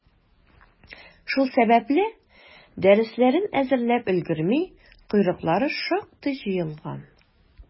Шул сәбәпле, дәресләрен әзерләп өлгерми, «койрыклары» шактый җыелган.